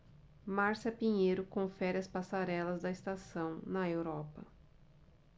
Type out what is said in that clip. márcia pinheiro confere as passarelas da estação na europa